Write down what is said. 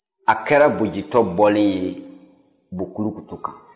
a kɛra bo jitɔ bɔlen ye bo kulukutu kan